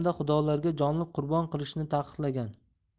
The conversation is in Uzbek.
yeyish hamda xudolarga jonliq qurbon qilishni taqiqlagan